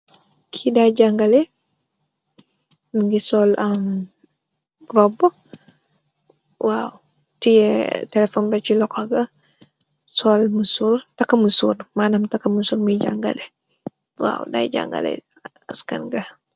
Ki day jangaleh, mugeh sol rubu, teyeh telephone ci loxo ga, taka musór . Day jangaleh askanga.